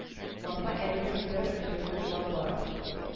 Марпа әбинен бер җыруы бар барын